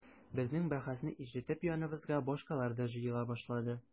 Безнең бәхәсне ишетеп яныбызга башкалар да җыела башлады.